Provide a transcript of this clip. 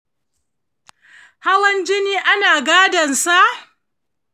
hawan jini ana gadon sa?